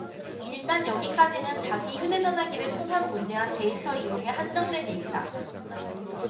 일단 여기까지는 자기 휴대전화기를 통한 무제한 데이터 이용에 한정된 얘기다